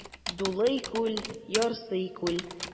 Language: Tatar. Дулый күл, ярсый күл.